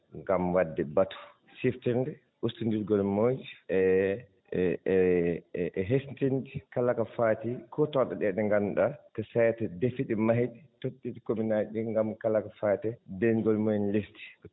ngam waɗde batu siftinde ustinndirgol miijo e e hesɗitinde kala ko faati kuutorɗe ɗee ɗe ngandnuɗaa ko SAED defi ɗe mahi ɗe totti ɗe commmune ŋaaji ɗi ngam kala ko faati e deengol mumen leesdi